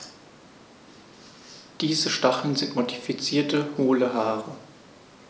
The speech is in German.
Diese Stacheln sind modifizierte, hohle Haare.